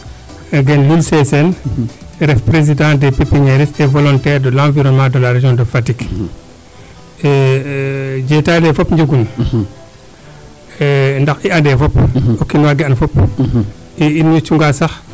gen Loul Sesene ref president des pepinieriste et volontaire de l' environnement de la region de Fatick jetaay le fop njegun ndax i ande fop o kiin waage an fop i in way cunga sax